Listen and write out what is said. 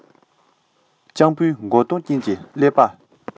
སྤྱང པོ མགོ སྟོང ཅན གྱི ཀླད པ